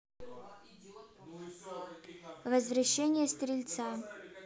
возвращение стрельца